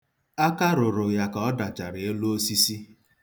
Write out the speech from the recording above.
Aka rụrụ ya ka ọ dachara elu osisi.